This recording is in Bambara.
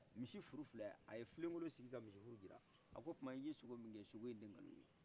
misi furu filɛ a ye filen kolon sigi ka misi furu jirala a ko kuma i ye siko min kɛ siko in de kɔrɔ filɛ